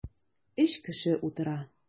Өч кеше утыра.